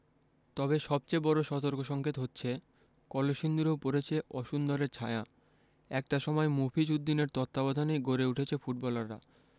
তবে সবচেয়ে বড় সতর্কসংকেত হচ্ছে কলসিন্দুরেও পড়েছে অসুন্দরের ছায়া একটা সময় মফিজ উদ্দিনের তত্ত্বাবধানেই গড়ে উঠেছে ফুটবলাররা